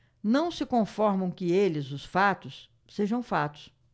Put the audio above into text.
não se conformam que eles os fatos sejam fatos